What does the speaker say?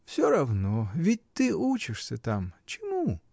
— Всё равно: ведь ты учишься там. Чему?